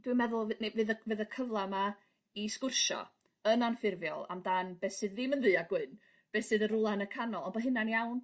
...dwi'n meddwl ni- bydd y fydd y cyfla 'ma i sgwrsio yn anffurfiol amdan be' sydd ddim yn ddu a gwyn be' sydd yn rwla yn y canol bo' hynna'n iawn